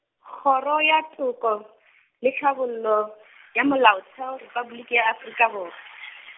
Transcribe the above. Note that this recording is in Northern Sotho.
Kgoro ya Toka , le Tlhabollo, ya Molaotheo, Repabliki ya Afrika Borwa.